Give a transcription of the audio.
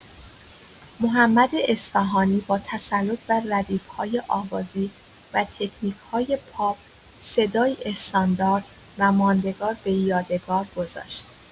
محمد اصفهانی با تسلط بر ردیف‌های آوازی و تکنیک‌های پاپ، صدایی استاندارد و ماندگار به یادگار گذاشت.